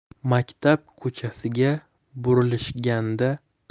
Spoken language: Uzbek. maktab ko'chasiga burilishganda